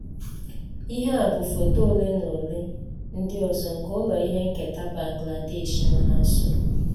Ihe a bụ foto ole na ole ndị ọzọ nke ụlọ ihe nketa Bangladeshi nọ na nsogbu: